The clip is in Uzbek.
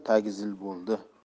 tagi zil bo'ldi